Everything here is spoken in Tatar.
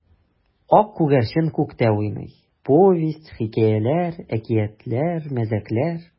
Ак күгәрчен күктә уйный: повесть, хикәяләр, әкиятләр, мәзәкләр.